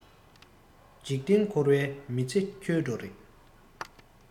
འཇིག རྟེན འཁོར བའི མི ཚེ འཁྱོལ འགྲོ རེད